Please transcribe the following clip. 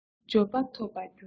འབྱོར པ ཐོབ པར གྱུར ན ཡང